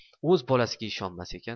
o'z bolasiga ishonmas ekan